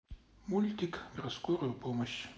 мультик про скорую помощь